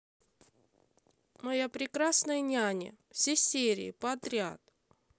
моя прекрасная няня все серии подряд